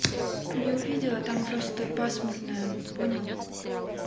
не увидела там просто пасмурная понял